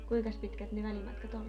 kuinkas pitkät ne välimatkat oli